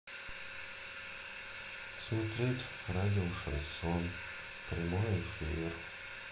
смотреть радио шансон прямой эфир